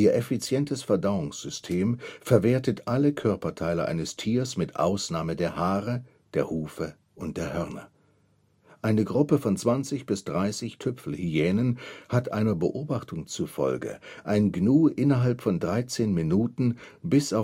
effizientes Verdauungssystem verwertet alle Körperteile eines Tiers mit Ausnahme der Haare, der Hufe und der Hörner. Eine Gruppe von 20 bis 30 Tüpfelhyänen hat einer Beobachtung zufolge ein Gnu innerhalb von 13 Minuten bis